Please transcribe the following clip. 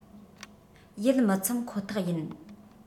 ཡིད མི ཚིམ ཁོ ཐག ཡིན